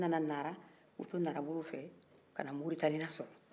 u nana nara u y'o to narabolo fɛw kana moritani lasɔrɔ